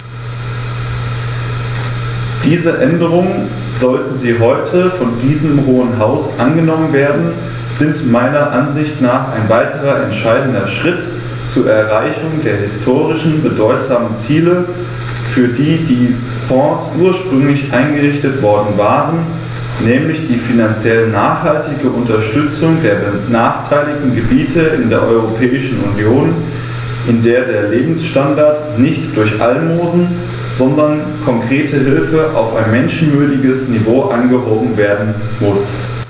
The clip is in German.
Diese Änderungen, sollten sie heute von diesem Hohen Haus angenommen werden, sind meiner Ansicht nach ein weiterer entscheidender Schritt zur Erreichung der historisch bedeutsamen Ziele, für die die Fonds ursprünglich eingerichtet worden waren, nämlich die finanziell nachhaltige Unterstützung der benachteiligten Gebiete in der Europäischen Union, in der der Lebensstandard nicht durch Almosen, sondern konkrete Hilfe auf ein menschenwürdiges Niveau angehoben werden muss.